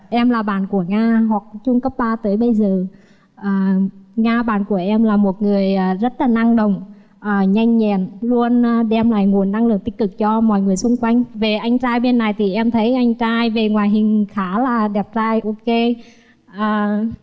em là bạn của nga học chung cấp ba tới bây giờ ờ nga bạn của em là một người rất là năng động ờ nhanh nhẹn luôn đem lại nguồn năng lượng tích cực cho mọi người xung quanh về anh trai bên này thì em thấy anh trai về ngoại hình khá là đẹp trai ô kê à